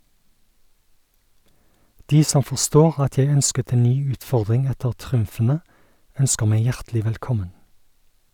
De som forstår at jeg ønsket en ny utfordring etter triumfene, ønsker meg hjertelig velkommen.